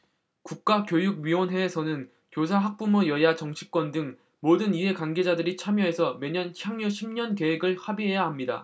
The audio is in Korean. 국가교육위원회에서는 교사 학부모 여야 정치권 등 모든 이해관계자들이 참여해서 매년 향후 십 년 계획을 합의해야 합니다